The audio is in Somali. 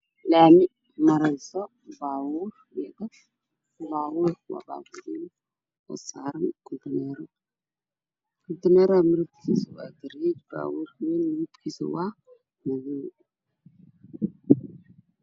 Laami marayso baabuur iyo dad baabuur waa baabuur wayn oo saaran kuntuneero kuntuneerada midabkiisa waa garay baabuur kane midabkiisa waa madow.